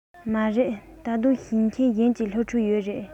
མ རེད ད དུང ཞིང ཆེན གཞན གྱི སློབ ཕྲུག ཡོད རེད